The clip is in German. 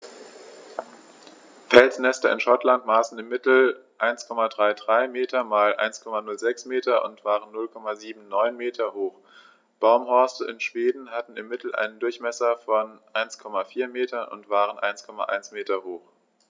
Felsnester in Schottland maßen im Mittel 1,33 m x 1,06 m und waren 0,79 m hoch, Baumhorste in Schweden hatten im Mittel einen Durchmesser von 1,4 m und waren 1,1 m hoch.